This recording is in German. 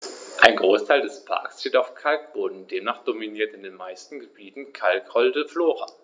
Ein Großteil des Parks steht auf Kalkboden, demnach dominiert in den meisten Gebieten kalkholde Flora.